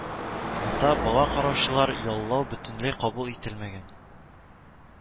Монда бала караучылар яллау бөтенләй кабул ителмәгән